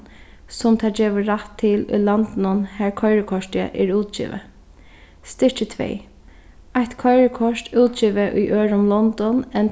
sum tað gevur rætt til í landinum har koyrikortið er útgivið stykki tvey eitt koyrikort útgivið í øðrum londum enn